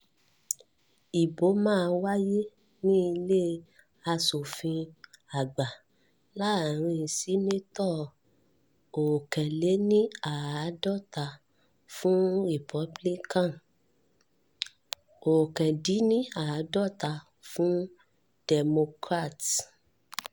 Ibò máa wáyé ní Ilé Aṣòfin Àgbà láàrin Sínátò 51 fún Republicans, 49 fún Democrats.